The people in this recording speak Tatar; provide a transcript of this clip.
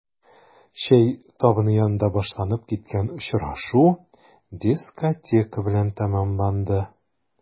Чәй табыны янында башланып киткән очрашу дискотека белән тәмамланды.